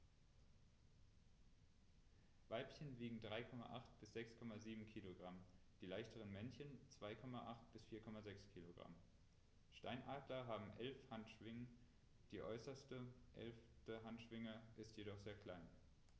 Weibchen wiegen 3,8 bis 6,7 kg, die leichteren Männchen 2,8 bis 4,6 kg. Steinadler haben 11 Handschwingen, die äußerste (11.) Handschwinge ist jedoch sehr klein.